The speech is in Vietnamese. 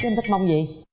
chứ em thích mông gì